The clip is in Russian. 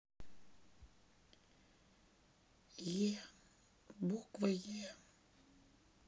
е буква е